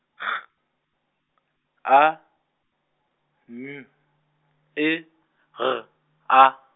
G, A, M, E, R A.